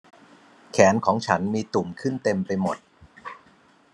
แขนของฉันมีตุ่มขึ้นเต็มไปหมด